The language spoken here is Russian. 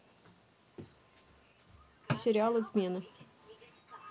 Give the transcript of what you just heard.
сериал измены